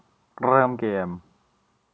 เริ่มเกม